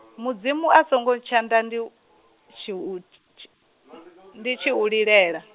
Mudzimu a songo ntshanda ndi, tshi u ts- ths-, ndi tshi u lilela.